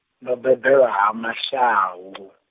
ndo bebelwa ha Mashau.